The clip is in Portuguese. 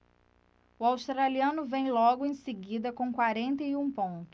o australiano vem logo em seguida com quarenta e um pontos